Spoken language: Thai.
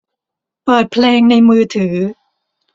เปิดเพลงในมือถือ